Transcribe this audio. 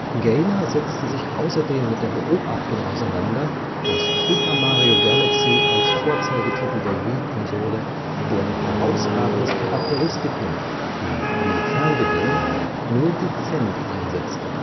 Gaynor setzte sich außerdem mit der Beobachtung auseinander, dass Super Mario Galaxy als Vorzeigetitel der Wii-Konsole deren herausragendes Charakteristikum, die Wii-Fernbedienung, nur dezent einsetze